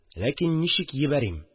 Ләкин ничек йибәрим